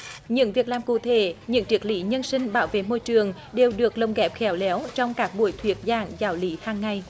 những việc làm cụ thể những triết lý nhân sinh bảo vệ môi trường đều được lồng ghép khéo léo trong các buổi thuyết giảng giáo lý hằng ngày